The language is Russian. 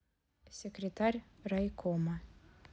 секретарь райкома